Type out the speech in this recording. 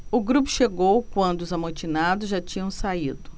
o grupo chegou quando os amotinados já tinham saído